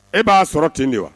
E b'a sɔrɔ ten di wa